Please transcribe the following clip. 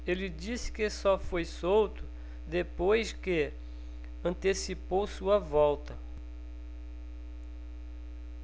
ele disse que só foi solto depois que antecipou sua volta